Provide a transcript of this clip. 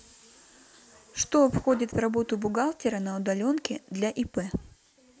что входит в работу бухгалтера на удаленке для ип